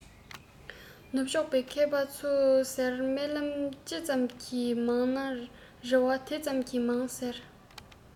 ནུབ ཕྱོགས པའི མཁས པ ཚོས ཟེར རྨི ལམ ཅི ཙམ གྱིས མང ན རེ བ དེ ཙམ གྱིས མང ཟེར